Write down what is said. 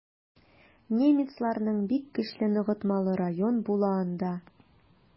Немецларның бик көчле ныгытмалы районы була анда.